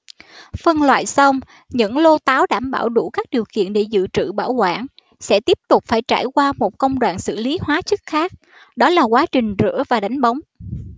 phân loại xong những lô táo đảm bảo đủ các điều kiện để dự trữ bảo quản sẽ tiếp tục phải trải qua một công đoạn xử lí hóa chất khác đó là quá trình rửa và đánh bóng